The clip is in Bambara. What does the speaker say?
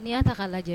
N y'a ta ka lajɛ